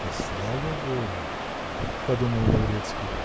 "И слава богу!" -- подумал Лаврецкий.